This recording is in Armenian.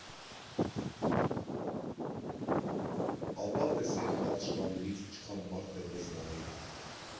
Ապա տեսեք պատշգամբներից ինչքան մարդ է մեզ նայում։